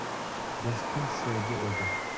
jo'shqin sevgi edi